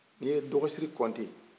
n'i ye dɔgɔsiri kɔnte